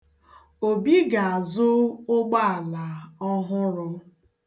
Obi ga-azụ ụgbọala ọhụrụ.